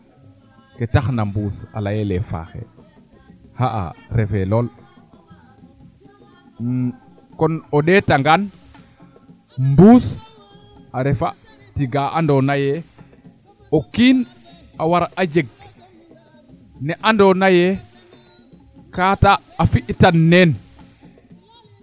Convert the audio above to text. ke taxna mbuus a leyele faaxe xa'a refe lool kon o ndeeta ngaan mbuus a refa tiga ando naye o kiin a war a jeg ne anndo naye kaa te a fitan neen